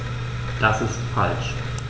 Das ist falsch.